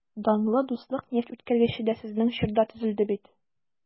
Данлы «Дуслык» нефтьүткәргече дә сезнең чорда төзелде бит...